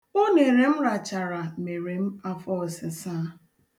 Unere m rachara mere m afọọsịsa.